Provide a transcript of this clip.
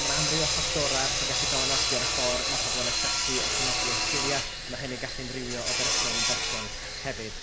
Ma' 'na amryw o ffactorau sy'n gallu dylanwadu ar y ffor' ma' pobl yn asesu a chofnodi eu sgiliau a ma' hynny'n gallu ei amrywio o berson i berson hefyd.